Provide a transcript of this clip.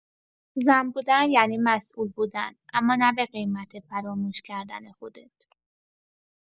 زن بودن یعنی مسئول بودن، اما نه به قیمت فراموش کردن خودت.